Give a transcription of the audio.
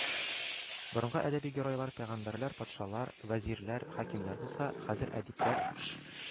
Борынгы әдәби геройлар пәйгамбәрләр, патшалар, вәзирләр, хакимнәр булса, хәзер әдипләр Ш